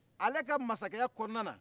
ale ka masakɛya kɔnɔna na